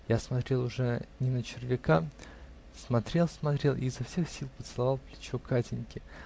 Я смотрел уже не на червяка, смотрел-смотрел и изо всех сил поцеловал плечо Катеньки.